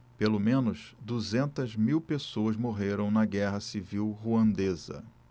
pelo menos duzentas mil pessoas morreram na guerra civil ruandesa